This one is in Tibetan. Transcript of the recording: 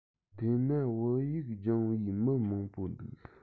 དེས ན བོད ཡིག སྦྱོང བའི མི མང པོ འདུག